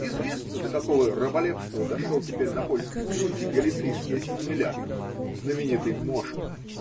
Известно, до какого раболепства дошел теперь на польской службе галицийский ассимилятор, знаменитый Мошко.